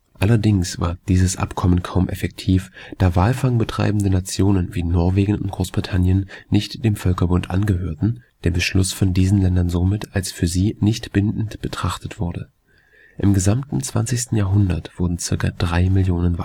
Allerdings war dieses Abkommen kaum effektiv, da walfangbetreibende Nationen wie Norwegen und Großbritannien nicht dem Völkerbund angehörten, der Beschluss von diesen Ländern somit als für sie nicht bindend betrachtet wurde. Im gesamten 20. Jahrhundert wurden zirka drei Millionen